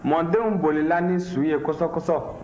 mɔdenw bolila ni su ye kɔsɔkɔsɔ